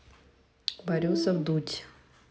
борисов дудь